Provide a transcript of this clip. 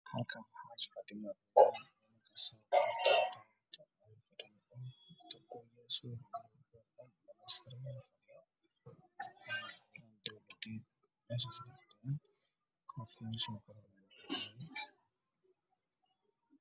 Meshan waxaa fadhiya niman ciidan ah